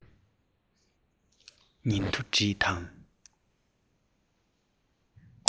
ཉིན ཐོ བྲིས དང